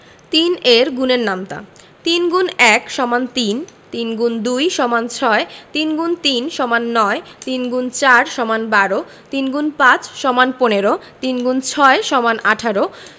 ৩ এর গুণের নামতা ৩ X ১ = ৩ ৩ X ২ = ৬ ৩ × ৩ = ৯ ৩ X ৪ = ১২ ৩ X ৫ = ১৫ ৩ x ৬ = ১৮